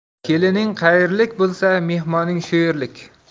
kelining qayerlik bo'lsa mehmoning shu yerlik